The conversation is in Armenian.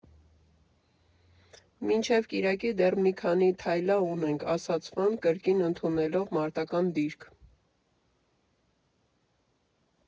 Մինչև կիրակի դեռ մի քսան թայլա ունենք, ֊ ասաց Ֆըն՝ կրկին ընդունելով մարտական դիրք։